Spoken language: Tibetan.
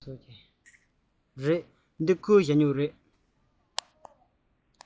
རེད འདི ཁོའི ཞ སྨྱུག རེད